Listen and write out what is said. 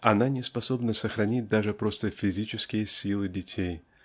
Она неспособна сохранить даже просто физические силы детей